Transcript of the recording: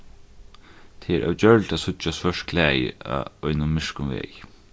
tað er ógjørligt at síggja svørt klæði á einum myrkum vegi